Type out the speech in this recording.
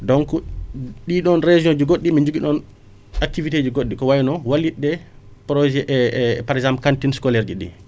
donc